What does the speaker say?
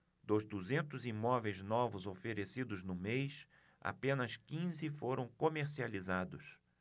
dos duzentos imóveis novos oferecidos no mês apenas quinze foram comercializados